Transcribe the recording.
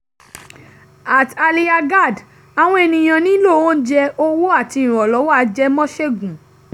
@AlyaaGad Àwọn ènìyàn nílò oúnjẹ, owó àti ìrànlọ́wọ́ ajẹmọ́ṣègùn!